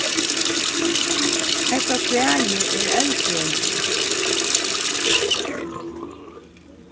hetta træið er eldri enn eg